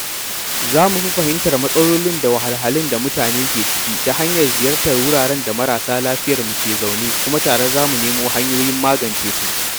Za mu fi fahimtar matsaloli da wahalhalun da mutane ke ciki ta hanyar ziyartar wuraren da marasa lafiyarmu ke zaune, kuma tare za mu nemo hanyoyin magance su.